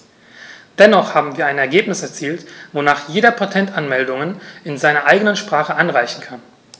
Dennoch haben wir ein Ergebnis erzielt, wonach jeder Patentanmeldungen in seiner eigenen Sprache einreichen kann.